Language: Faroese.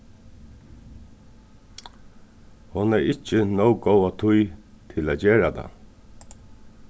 hon hevði ikki nóg góða tíð til at gera tað